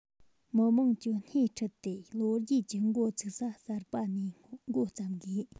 མི དམངས ཀྱི སྣེ ཁྲིད དེ ལོ རྒྱུས ཀྱི འགོ ཚུགས ས གསར པ ནས འགོ བརྩམས དགོས